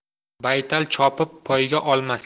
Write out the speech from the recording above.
baytal chopib poyga olmas